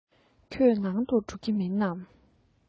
ཁྱོད ནང དུ འགྲོ གི མིན ནམ